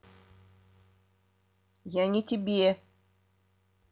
я не тебе